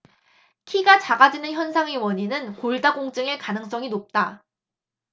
키가 작아지는 현상의 원인은 골다공증일 가능성이 높다